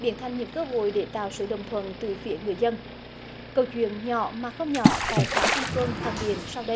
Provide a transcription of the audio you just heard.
biến thành những cơ hội để tạo sự đồng thuận từ phía người dân câu chuyện nhỏ mà không nhỏ tại xã phong xuân phong điền sau đây